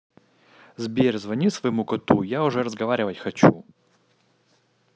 сбер звони своему коту я уже разговаривать хочу